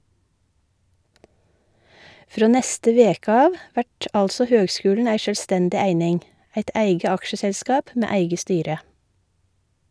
Frå neste veke av vert altså høgskulen ei sjølvstendig eining , eit eige aksjeselskap med eige styre.